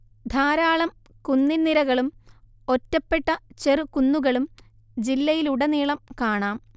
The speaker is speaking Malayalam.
ധാരാളം കുന്നിൻ നിരകളും ഒറ്റപ്പെട്ട ചെറുകുന്നുകളും ജില്ലയിലുടനീളം കാണാം